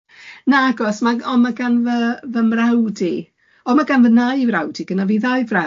nagos ma- ond ma ganddo fy mrawd i, oh ma gan fy nau frawd i, ma gynno i ddau frawd